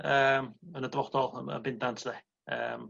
yym yn y dyfodol yym yn bendant 'de yym